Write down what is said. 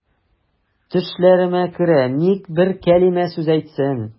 Төшләремә керә, ник бер кәлимә сүз әйтсен.